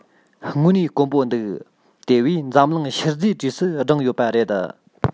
དངོས གནས དཀོན པོ འདུག དེ བས འཛམ གླིང ཤུལ རྫས གྲས སུ བསྒྲེངས ཡོད པ རེད